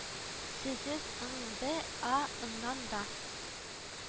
Сезес эң бе, а ынның да